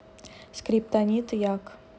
скриптонит як